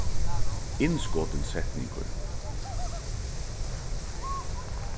innskotin setningur